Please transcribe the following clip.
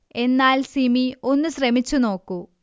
എന്നാൽ സിമി ഒന്നു ശ്രമിച്ചു നോക്കൂ